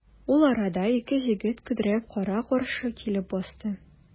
Ул арада ике җегет көдрәеп кара-каршы килеп басты.